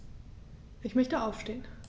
Ich möchte aufstehen.